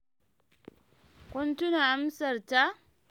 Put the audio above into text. “Kun tuna amsarta?